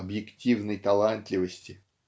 об'ективной талантливости.